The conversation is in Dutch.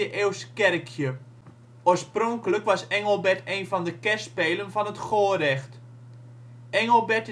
eeuws kerkje. Oorspronkelijk was Engelbert een van de kerspelen van het Gorecht. Engelbert